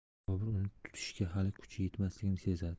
bobur uni tutishga hali kuchi yetmasligini sezadi